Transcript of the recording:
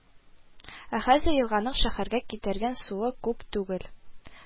Ә хәзер елганың шәһәргә китергән суы күп түгел